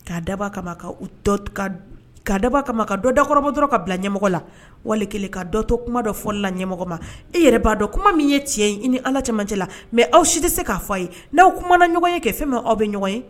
Ka daba ka ka ka daba kama ka dɔ dakɔrɔ dɔrɔn ka bila ɲɛmɔgɔ la wali ka dɔtɔ kuma dɔ fɔla ɲɛmɔgɔ ma e yɛrɛ b'a dɔn kuma min ye tiɲɛ ye i ni ala cɛmancɛ la mɛ aw si tɛ se k'a fɔ a ye n'aw kuma na ɲɔgɔn ye kɛ fɛn ma aw bɛ ɲɔgɔn ye